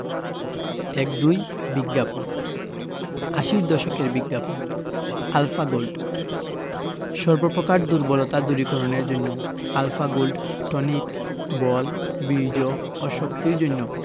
১২ বিজ্ঞাপন আশির দশকের বিজ্ঞাপন আলফা গোল্ড সর্ব প্রকার দুর্বলতা দূরীকরণের জন্য আল্ ফা গোল্ড টনিক –বল বীর্য ও শক্তির জন্য